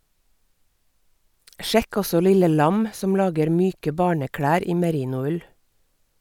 Sjekk også Lille Lam, som lager myke barneklær i merinoull.